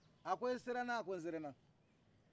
a ko nser'ila a ko i sera ne